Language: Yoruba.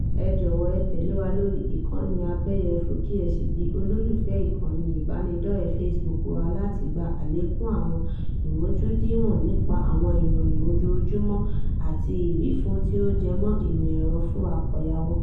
Ẹ jọ̀wọ́ ẹ tẹ̀lé wa lórí ìkànnì abẹ́yẹfò kí ẹ sì di olólùfẹ́ ìkànnì ìbánidọ́rẹ̀ẹ́ Facebook wa láti gba àlékún àwọn ìmúdójúìwọ̀n nípa àwọn ìròyìn ojoojúmọ́ àti ìwífún tí ó jẹ́ mọ́ ìmọ̀ ẹ̀rọ fún àkóyawọ́.